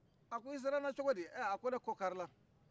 a ko nsera ila cogodi a ko ne kɔkarila